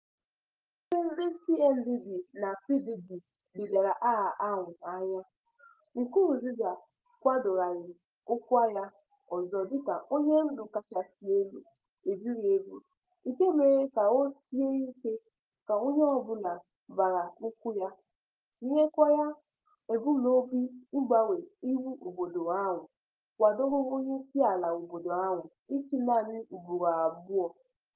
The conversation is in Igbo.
Ebe ndị CNDD-FDD ledara aha ahụ anya, Nkurunziza kwadogharị ọkwá ya ọzọ dịka "onye ndu kachasị elu ebighị ebi" nke mere ka o sie ike ka onye ọbụla gbagha okwu ya, tinyekwara ebumnobi ya ịgbanwe iwu obodo ahụ kwadoro onyeisiala obodo ahụ ịchị naanị ugboro abụọ.